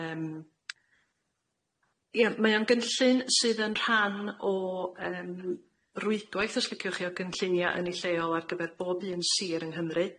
Yym ia mae o'n gynllun sydd yn rhan o yym rwydwaith os liciwch chi o gynllunia yn eu lleol ar gyfer bob un Sir yng Nghymru.